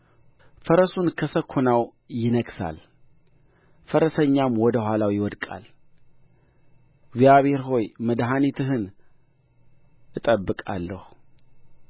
ፈረሱን ከሰኮናው ይነክሳል ፈረሰኛም ወደ ኋላው ይወድቃል እግዚአብሔር ሆይ መድኃኒትህን እጠብቃለሁ